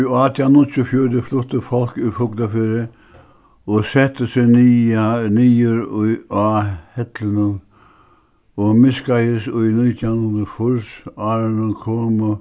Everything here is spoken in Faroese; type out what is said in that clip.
í átjan níggjuogfjøruti flutti fólk úr fuglafirði og setti seg niður í á hellunum og miðskeiðis í nítjanhundraðogfýrsárunum komu